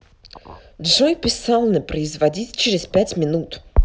джой писалне производить через пять минут